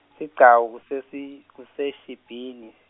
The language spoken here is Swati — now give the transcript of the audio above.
sigcawu ku sesi, kuseshibhini.